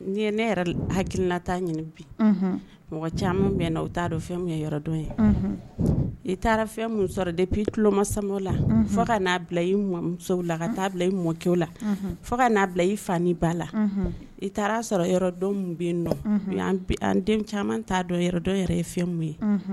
N ye ne yɛrɛ hakilila'a ɲini bi mɔgɔ caman bɛ na t'a dɔn fɛn ye yɔrɔ dɔn ye i taara fɛn min sɔrɔ de bi tuloloma sa la fo ka n'a bila i muso la ka t'a bila i mɔ ke la fo ka n'a bila i fa ni ba la i taara' sɔrɔ yɔrɔdɔn minnu bɛ an den caman t'a dɔn yɔrɔ dɔn yɛrɛ ye fɛn ye